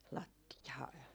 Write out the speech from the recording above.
lattiaa